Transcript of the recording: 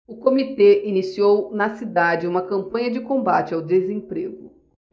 o comitê iniciou na cidade uma campanha de combate ao desemprego